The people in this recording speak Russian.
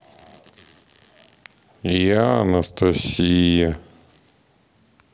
я анастасия